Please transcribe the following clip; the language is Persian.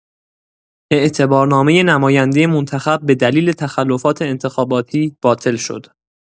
اعتبارنامه نماینده منتخب به دلیل تخلفات انتخاباتی باطل شد.